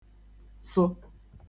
sụ